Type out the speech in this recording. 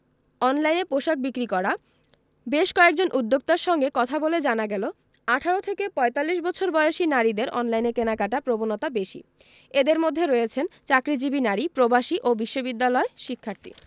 অনলাইনে পোশাক বিক্রি করা বেশ কয়েকজন উদ্যোক্তার সঙ্গে কথা বলে জানা গেল ১৮ থেকে ৪৫ বছর বয়সী নারীদের অনলাইনে কেনাকাটার প্রবণতা বেশি এঁদের মধ্যে রয়েছেন চাকরিজীবী নারী প্রবাসী ও বিশ্ববিদ্যালয় শিক্ষার্থী